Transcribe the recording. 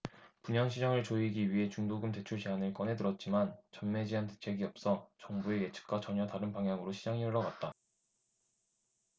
분양시장을 조이기 위해 중도금 대출 제한을 꺼내들었지만 전매제한 대책이 없어 정부의 예측과 전혀 다른 방향으로 시장이 흘러갔다